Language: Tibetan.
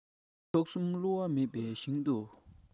མཆོག གསུམ བསླུ བ མེད པའི ཞིང དུ